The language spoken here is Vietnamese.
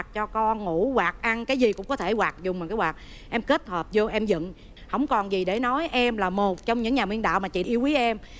cho con ngủ quạt ăn cái gì cũng có thể quạt dùng bằng cái quạt em kết hợp dô em dựng hổng còn gì để nói em là một trong những nhà biên đạo chị yêu quý em